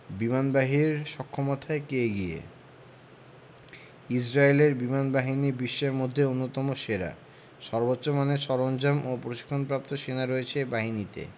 বিমানবাহীর সক্ষমতায় কে এগিয়ে ইসরায়েলের বিমানবাহিনী বিশ্বের মধ্যে অন্যতম সেরা সর্বোচ্চ মানের সরঞ্জাম ও প্রশিক্ষণপ্রাপ্ত সেনা রয়েছে এ বাহিনীতে